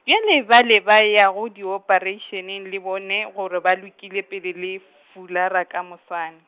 bjale bale ba yago diopareišeneng le bone gore ba lokile pele le, f- fulara ka moswane.